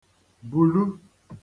bùlu